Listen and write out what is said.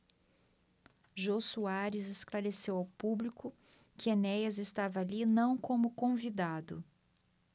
jô soares esclareceu ao público que enéas estava ali não como convidado